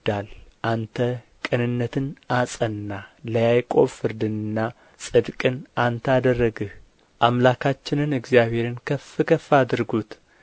አንተ ቅንነትን አጸናህ ለያዕቆብ ፍርድንና ጽድቅን አንተ አደረግህ አምላካችንን እግዚአብሔርን ከፍ ከፍ አድርጉት